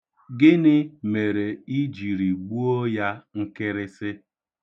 Gịnị mere i jiri gbuo ya nkịrịsị?